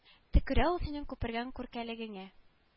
Төкерә ул синең күпергән күркәлегеңә